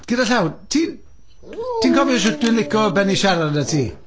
Gyda llaw, ti'n... ti'n cofio sut dwi'n licio bennu siarad 'da ti?